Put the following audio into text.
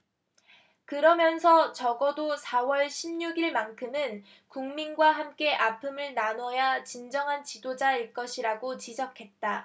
그러면서 적어도 사 월 십 육 일만큼은 국민과 함께 아픔을 나눠야 진정한 지도자일 것이라고 지적했다